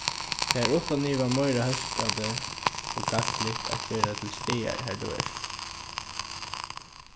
tað er uttan iva meira hóskandi og gagnligt at verða til staðar har tú ert